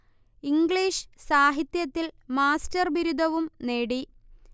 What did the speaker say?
English സാഹിത്യത്തിൽ master ബിരുദവും നേടി